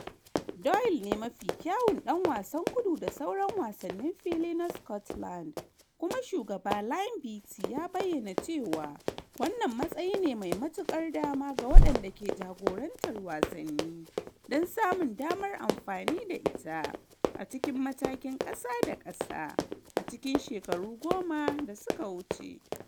Doyle ne mafi kyawun dan wasan gudu da sauran wasannin fili na Scotland kuma shugaba Ian Beattie ya bayyana cewa wannan matsayi ne mai matukar dama ga waɗanda ke jagorantar wasanni don samun damar amfani da ita a cikin matakin kasa da kasa a cikin shekaru goma da suka wuce.